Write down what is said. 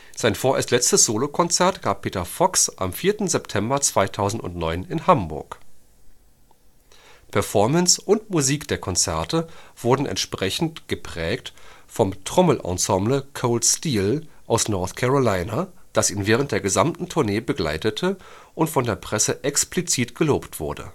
Sein vorerst letztes Solokonzert gab Peter Fox am 4. September 2009 in Hamburg. Performance und Musik der Konzerte wurden entscheidend geprägt vom Trommelensemble Cold Steel aus North Carolina, das ihn während der gesamten Tournee begleitete und von der Presse explizit gelobt wurde